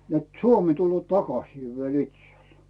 että Suomi tulee takaisin vielä itselle